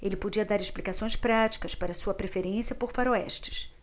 ele podia dar explicações práticas para sua preferência por faroestes